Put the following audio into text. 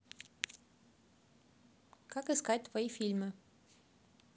как искать твои фильмы